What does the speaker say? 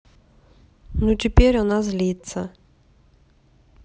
ну теперь она злится